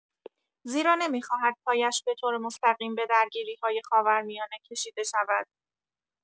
زیرا نمی‌خواهد پایش به‌طور مستقیم به درگیری‌های خاورمیانه کشیده شود.